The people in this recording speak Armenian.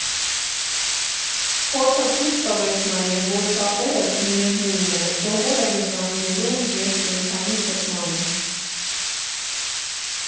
Փորձը ցույց տվեց նաև, որ շատերս, միևնույն է, սովոր ենք զանգելուն և կենդանի շփմանը։